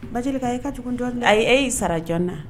Baj k' e ka jɔn dɔɔnin ayi e' sara jɔn na